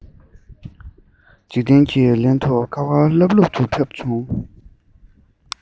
འཇིག རྟེན གྱིས ལན དུ ཁ བ ལྷབ ལྷུབ ཏུ ཕབ བྱུང